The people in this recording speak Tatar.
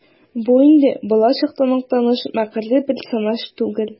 Бу инде балачактан ук таныш мәкерле персонаж түгел.